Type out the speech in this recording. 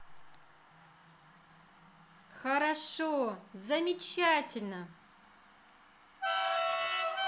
хорошо замечательно